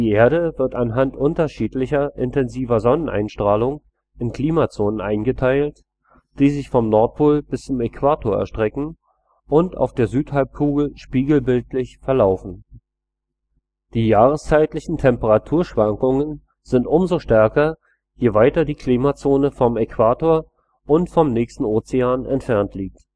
Erde wird anhand unterschiedlich intensiver Sonneneinstrahlung in Klimazonen eingeteilt, die sich vom Nordpol zum Äquator erstrecken – und auf der Südhalbkugel spiegelbildlich verlaufen. Klimazone ungefähre Breitengrade Nord/Süd ungefähre Durchschnittstemperatur Polarzone/Kalte Zone Nord -/ Südpol bis 66,56° (Polarkreise) 0 °C Gemäßigte Zone 66,56° bis 40° 8 °C Subtropen 40° bis 23,5° (Wendekreise) 16 °C Tropen 23,5° bis Äquator 24 °C Die jahreszeitlichen Temperaturschwankungen sind umso stärker, je weiter die Klimazone vom Äquator und vom nächsten Ozean entfernt liegt